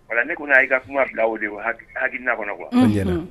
A ne ko n' y' ka kuma bila o de wa hakiliina kɔnɔ ko